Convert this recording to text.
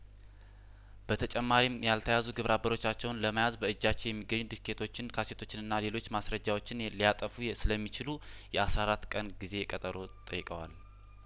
በተጨማሪም ያልተያዙ ግብረ አበሮቻቸውን ለመያዝ በእጃቸው የሚገኙ ዲስኬቶችን ካሴቶችንና ሌሎች ማስረጃዎችን ሊያጠፉ ስለሚችሉ የአስራ አራት ቀን ጊዜ ቀጠሮ ጠይቀዋል